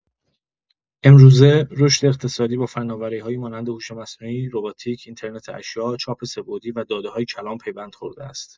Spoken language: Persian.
امروزه، رشد اقتصادی با فناوری‌هایی مانند هوش مصنوعی، روباتیک، اینترنت اشیا، چاپ سه‌بعدی و داده‌های کلان پیوند خورده است.